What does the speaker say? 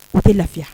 U tɛ lafiya